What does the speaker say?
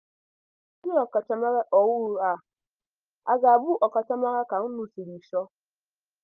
Ndị ọkachamara ọhụrụ a ha ga-abụ ọkachamara ka unu siri chọ?